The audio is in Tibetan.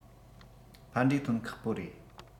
ཕན འབྲས ཐོན ཁག པོ རེད